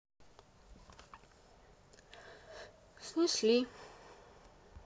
снесли